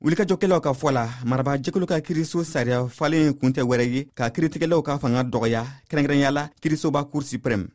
wulikajɔkɛlaw ka fɔ la marabaajɛkulu ka kiiriso sariyafalen kun tɛ wɛrɛ ye k'a kiiritigɛlaw ka fanga dɔgɔya kɛrɛnkɛrɛnnenya la kiirisoba cour supreme